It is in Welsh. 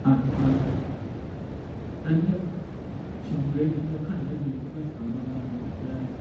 Ac ma' yn y f- swn i'n dweud yn yr hanner blwyddyn dwetha, ma' 'na bethe